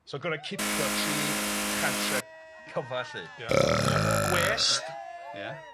So gor'o' cipio tri chantre cyfa 'lly. Ia ia. Gwest... Ia.